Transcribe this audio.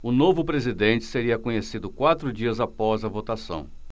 o novo presidente seria conhecido quatro dias após a votação